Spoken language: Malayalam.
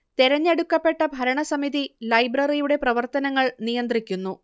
തെരഞ്ഞെടുക്കപ്പെട്ട ഭരണസമിതി ലൈബ്രറിയുടെ പ്രവർത്തനങ്ങൾ നിയന്ത്രിക്കുന്നു